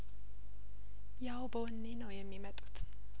ያው በወኔ ነው የሚመጡት